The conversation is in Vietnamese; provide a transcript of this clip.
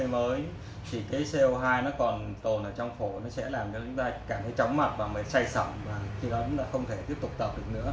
mà lại lấy hơi mới thì co còn ở trong phổi nó sẽ làm cho chúng ta cảm thấy chóng mặt say sẩm mặt mày chúng ta sẽ không thể tiếp tục tập được nữa